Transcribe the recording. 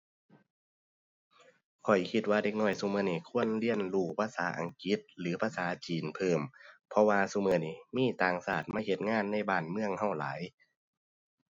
ข้อยคิดว่าเด็กน้อยซุมื้อนี้ควรเรียนรู้ภาษาอังกฤษหรือภาษาจีนเพิ่ม เพราะว่าซุมื้อนี้มีต่างชาติมาเฮ็ดงานในบ้านเมืองเราหลาย